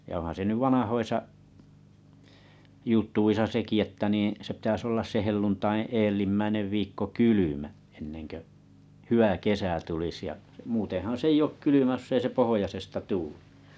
ja onhan se nyt vanhoissa jutuissa sekin että niin se pitäisi olla se helluntain edellimmäinen viikko kylmä ennen kuin hyvä kesä tulisi ja muutenhan se ei ole kylmä jos ei se pohjoisesta tuule